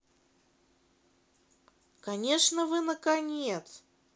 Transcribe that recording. конечно вы наконец